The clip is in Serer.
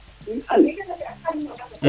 *